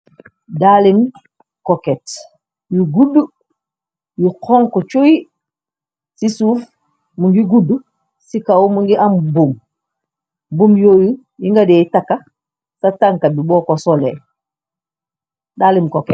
Dallim koket Yu guudu yu xonko chuy ci suuf mu ngi guddu ci kaw mu ngi am buum buum yooyu yi nga deey takka ca tanka bi boko soolee dallim koket.